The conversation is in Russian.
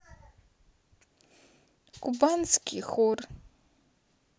кубанский хор